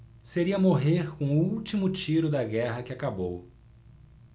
seria morrer com o último tiro da guerra que acabou